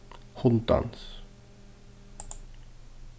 hundans